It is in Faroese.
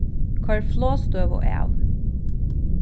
koyr flogstøðu av